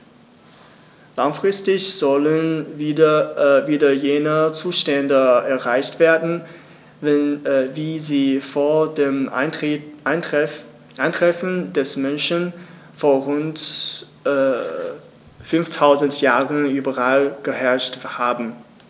Langfristig sollen wieder jene Zustände erreicht werden, wie sie vor dem Eintreffen des Menschen vor rund 5000 Jahren überall geherrscht haben.